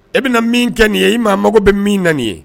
E bi na min kɛ nin ye e maa mago bɛ min na nin ye.